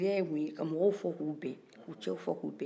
ka mɔgɔw fɔ 'u bɛn k'u cɛw fɔ kun bɛn